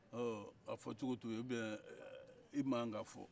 fɔ cogo t'o ye wali i ma kan ka fɔ